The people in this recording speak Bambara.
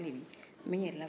k'a kɛ i komi n t'a ɲɛdɔn